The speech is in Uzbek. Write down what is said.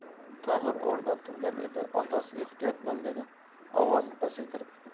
tohir o'rnidan turgan edi otasi ehtiyot bo'l dedi ovozini pasaytirib